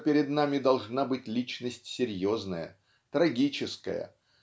что перед нами должна быть личность серьезная трагическая